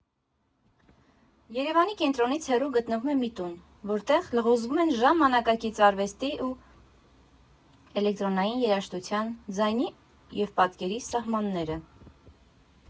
Երևանի կենտրոնից հեռու գտնվում է մի տուն, որտեղ լղոզվում են ժամանակակից արվեստի ու էլեկտրոնային երաժշտության, ձայնի և պատկերի սահմանները։